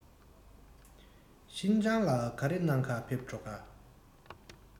ཤིན ཅང ལ ག རེ གནང ག ཕེབས འགྲོ ག ཀ